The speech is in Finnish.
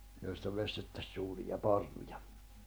joista veistettäisiin suuria parruja